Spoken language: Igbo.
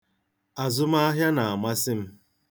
Azụmahịa na-amasị m.